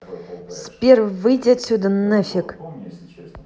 сбер выйди отсюда нафиг